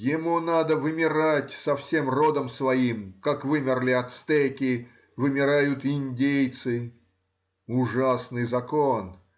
ему надо вымирать со всем родом своим, как вымерли ацтеки, вымирают индейцы. Ужасный закон!